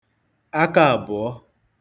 akaàbụ̀ọ